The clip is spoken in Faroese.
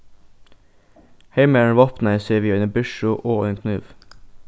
hermaðurin vápnaði seg við eini byrsu og einum knívi